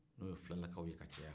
n'o ye filalakaw ye ka caya